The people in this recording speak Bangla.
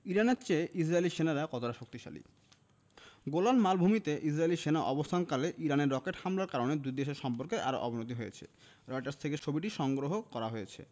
ইরানের চেয়ে ইসরায়েলি সেনারা কতটা শক্তিশালী গোলান মালভূমিতে ইসরায়েলি সেনা অবস্থানকালে ইরানের রকেট হামলার কারণে দুই দেশের সম্পর্কের আরও অবনতি হয়েছে রয়টার্স থেকে ছবিটি সংগ্রহ করা হয়েছে